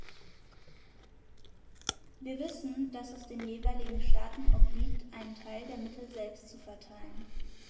Wir wissen, dass es den jeweiligen Staaten obliegt, einen Teil der Mittel selbst zu verteilen.